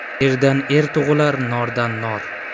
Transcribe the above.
erdan er tug'ilar nordan nor